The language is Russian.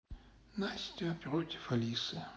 настя против алисы